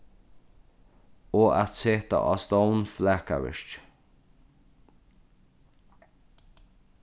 og at seta á stovn flakavirki